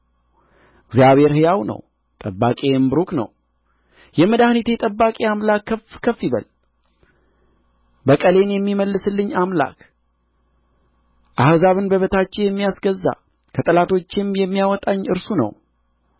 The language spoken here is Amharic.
እግዚአብሔር ሕያው ነው ጠባቂዬም ቡሩክ ነው የመድኃኒቴ ጠባቂ አምላኬ ከፍ ከፍ ይበል በቀሌን የሚመልስልኝ አምላክ አሕዛብን በበታቼ የሚያስገዛ ከጠላቶቼ የሚያወጣኝ እርሱ ነው